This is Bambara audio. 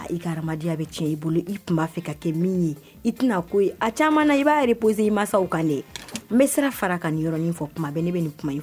Denya bɛ tiɲɛ i bolo i tun b'a fɛ ka kɛ min ye i tɛnaa ko a caman i b'a yɛrɛ pz i mansasaw kan dɛ n bɛ siran fara kaɔrɔnin fɔ tuma bɛ ne bɛ nin kuma ye